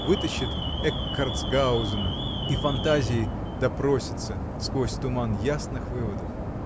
вытащит Эккартсгаузена и фантазией допросится, сквозь туман, ясных выводов